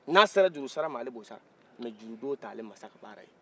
n'a sera jurusara ma ale b'o sara mɛ juru don tɛ ale masa ka baara ye